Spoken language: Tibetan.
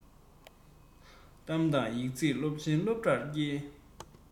གཏམ དང ཡིག རྩིས སློབ ཆེད སློབ རར བསྐྱེལ